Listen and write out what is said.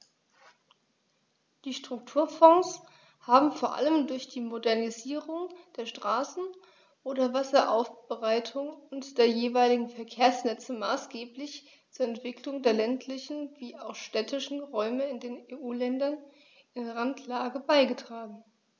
Die Strukturfonds haben vor allem durch die Modernisierung der Straßen, der Wasseraufbereitung und der jeweiligen Verkehrsnetze maßgeblich zur Entwicklung der ländlichen wie auch städtischen Räume in den EU-Ländern in Randlage beigetragen.